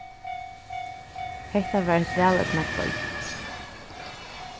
hetta var eitt væleydnað kvøld